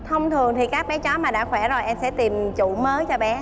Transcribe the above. thông thường thì các bé chó mà đã khỏe rồi em sẽ tìm chủ mới cho bé